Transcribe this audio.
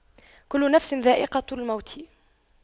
كُلُّ نَفسٍ ذَائِقَةُ المَوتِ